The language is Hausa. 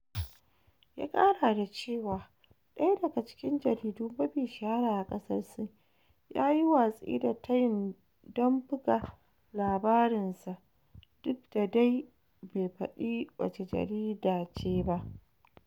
Ya kara da cewa "daya daga cikin jaridu mafi shahara a kasar Sin ya yi watsi da tayin don buga" labarinsa, duk da dai bai fadi wace jarida ce ba.